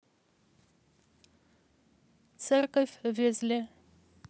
церковь в везле